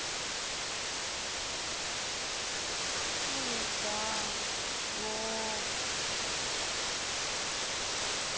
суета лог